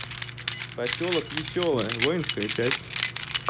поселок веселое воинская часть